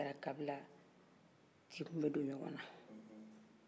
n'o kɛra kabila tinw bɛ don ɲɔgɔn na